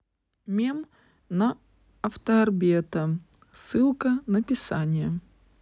мем на авторбета ссылка написание